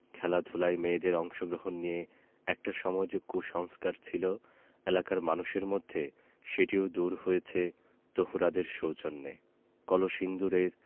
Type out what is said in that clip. খেলাধুলায় মেয়েদের অংশগ্রহণ নিয়ে একটা সময় যে কুসংস্কার ছিল এলাকার মানুষের মধ্যে সেটিও দূর হয়েছে তহুরাদের সৌজন্যে কলসিন্দুরের